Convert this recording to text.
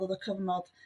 oedd y cyfnod.